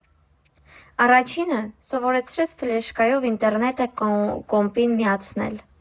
Առաջինը՝ սովորեցրեց «ֆլեշկայով» ինտերնետը կոմպին միացնել։